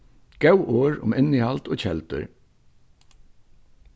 góð orð um innihald og keldur